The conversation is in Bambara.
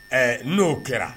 Ɛɛ n'o kɛra